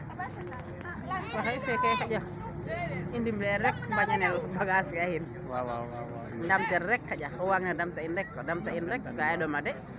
oxy keke xanja i ndimle el rek na bagage ke a yen ndamtel rek oxu waag na damta in rek xanja damta in rek waye a ɗoma s